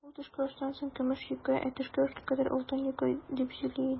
Ул, төшке аштан соң көмеш йокы, ә төшке ашка кадәр алтын йокы, дип сөйли иде.